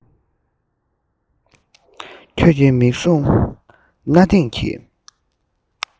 ཁྱོད ཀྱི མིག ཟུང གནའ དེང གི